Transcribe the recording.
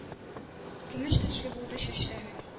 Көмеш төсле булды чәчләре.